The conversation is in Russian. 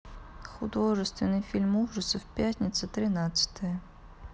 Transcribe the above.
художественный фильм ужасов пятница тринадцатое